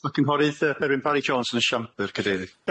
Os ma' cynghorydd yy Berwyn Barri Jones yn y siambr cyfeirydd.